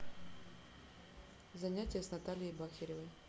занятия с натальей бахиревой